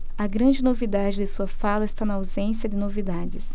a grande novidade de sua fala está na ausência de novidades